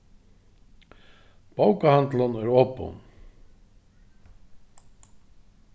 bókahandilin er opin